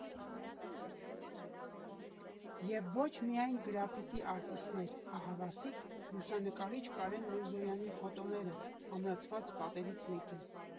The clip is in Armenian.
Եվ ոչ միայն գրաֆիտի արտիստներ, ահավասիկ՝ լուսանկարիչ Կարեն Միրզոյանի ֆոտոները՝ ամրացված պատերից մեկին։